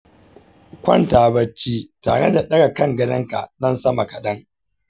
kwanta barci tare da ɗaga kan gadonka ɗan sama kaɗan.